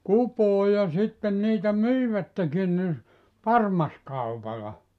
kupoon ja sitten niitä myivätkin niin parmaskaupalla